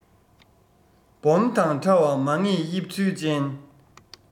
སྦོམ དང ཕྲ བ མ ངེས དབྱིབས ཚུལ ཅན